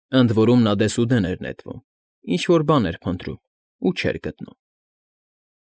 Ընդ որում նա դեսուդեն էր նետվում, ինչ֊որ բան էր փնտրում ու չէր գտնում։